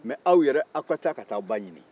nka aw yɛrɛ ka taa aw ba ɲini